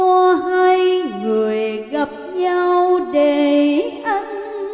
cho hai người gặp nhau để anh